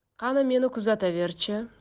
qani meni kuzataver chi